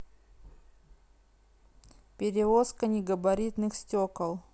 перевозка негабаритных стекол